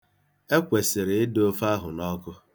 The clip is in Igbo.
E kwesịrị ịda ofe ahụ n'ọkụ.